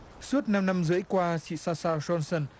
suốt năm năm rưỡi qua chị sa sa rôn sừn